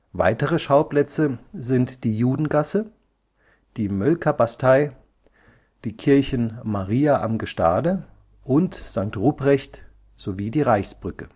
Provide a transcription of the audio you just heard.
Weitere Schauplätze sind die Judengasse, die Mölkerbastei, die Kirchen Maria am Gestade und St. Ruprecht sowie die Reichsbrücke